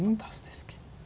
fantastisk.